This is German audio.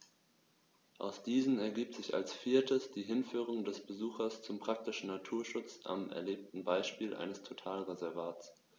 Aus diesen ergibt sich als viertes die Hinführung des Besuchers zum praktischen Naturschutz am erlebten Beispiel eines Totalreservats.